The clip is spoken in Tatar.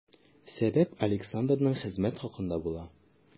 Сәбәп Александрның хезмәт хакында була.